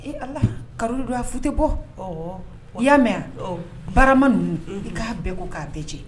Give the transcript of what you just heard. Ee allah carreaux de don afu tɛ bɔ, ɔɔ, i y'a mɛn? barama ninnu k'a bɛɛ ko k'a bɛɛ jɛ.